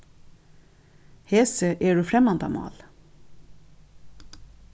hesi eru fremmandamál